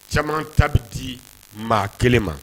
Caman ta bɛ dii maa kelen ma